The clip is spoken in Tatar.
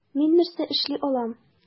Мин нәрсә эшли алам?